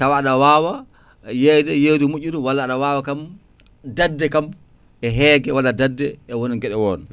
tawa aɗa wawa yeyde yeyde moƴƴudu walla aɗa wawa kam dadde kam e heegue walla dadde e won gueɗe won